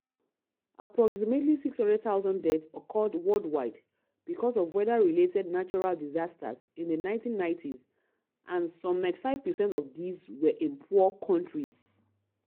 Approximately 600,000 deaths occurred worldwide because of weather-related natural disasters in the 1990s and some 95 percent of these were in poor countries.